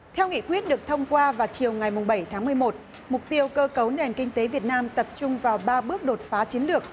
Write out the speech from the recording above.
theo nghị quyết được thông qua vào chiều ngày mùng bảy tháng mười một mục tiêu cơ cấu nền kinh tế việt nam tập trung vào ba bước đột phá chiến lược